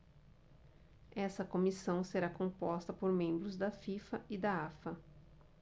essa comissão será composta por membros da fifa e da afa